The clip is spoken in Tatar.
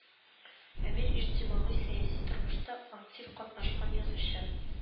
Әмир иҗтимагый-сәяси тормышта актив катнашкан язучы